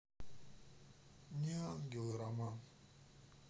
неангелы роман